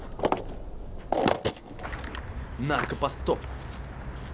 нарко постов